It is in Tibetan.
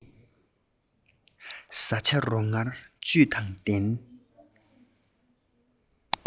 བཟའ བྱ རོ མངར བཅུད དང ལྡན